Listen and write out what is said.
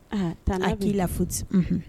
Aa taa k'i la futi